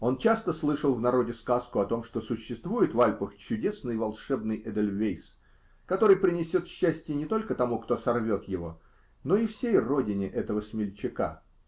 Он часто слышал в народе сказку о том, что существует в Альпах чудесный волшебный эдельвейс, который принесет счастье не только тому, кто сорвет его, но и всей родине этого смельчака.